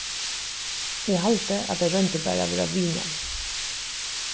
eg haldi at tey royndu bara at vera vinarlig